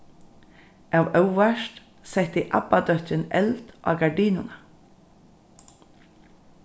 av óvart setti abbadóttirin eld á gardinuna